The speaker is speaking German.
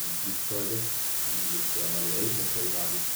Flugzeuge, die mit der manuell verstellbaren